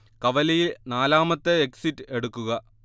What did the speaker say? കവലയിൽ നാലാമത്തെ എക്സിറ്റ് എടുക്കുക